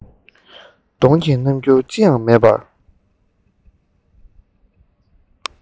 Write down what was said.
གདོང གི རྣམ འགྱུར ཅི ཡང མེད པར